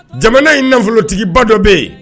Jamana in nafolotigiba dɔ bɛ yen